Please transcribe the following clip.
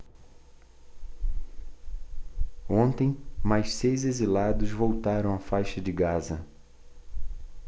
ontem mais seis exilados voltaram à faixa de gaza